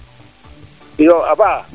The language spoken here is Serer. iyo a faax